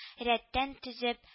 Рәттән тезеп